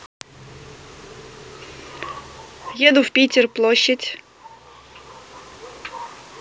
еду в питер площадь